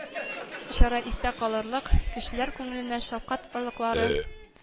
Чара истә калырлык, кешеләр күңеленә шәфкать орлыклары